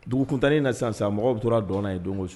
Dugukuntannin in na san san mɔgɔ bɛ tora dɔnna ye dongosu